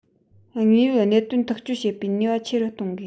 དངོས ཡོད གནད དོན ཐག གཅོད བྱེད པའི ནུས པ ཆེ རུ གཏོང དགོས